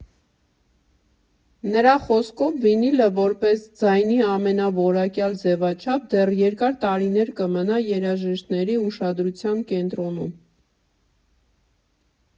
Նրա խոսքով՝ վինիլը՝ որպես ձայնի ամենաորակյալ ձևաչափ, դեռ երկար տարիներ կմնա երաժիշտների ուշադրության կենտրոնում։